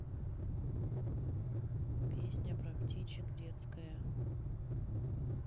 песня про птичек детская